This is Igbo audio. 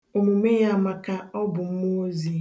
Omume ya amaka, ọ bụ mmụọozi